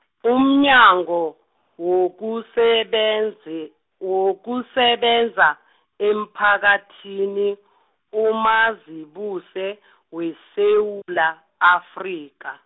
umnyango, wokusebenze- wokusebenza, emphakathini, uMazibuse , weSewula, Afrika.